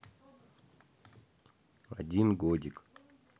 один годик